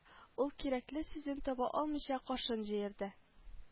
Ул кирәкле сүзен таба алмыйча кашын җыерды